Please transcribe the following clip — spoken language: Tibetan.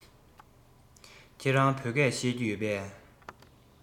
ཁྱེད རང བོད སྐད ཤེས ཀྱི ཡོད པས